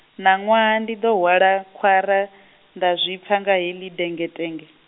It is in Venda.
ṋaṅwaha ndi ḓo hwala khwara, nda zwi pfa nga heḽi dengetenge.